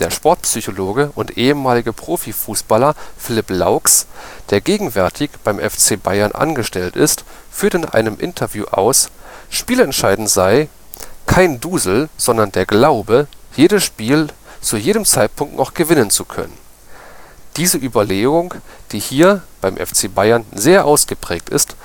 Sportpsychologe und ehemalige Profifußballer Philipp Laux, der gegenwärtig beim FC Bayern München angestellt ist, führte in einem Interview aus, spielentscheidend sei „ kein Dusel, sondern der Glaube, jedes Spiel zu jedem Zeitpunkt noch gewinnen zu können. Diese Überzeugung, die hier [beim FC Bayern] sehr ausgeprägt ist